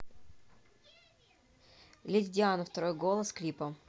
леди диана второй голос клипа